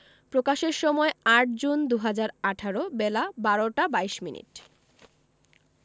প্রকাশের সময় ৮জুন ২০১৮ বেলা ১২টা ২২মিনিট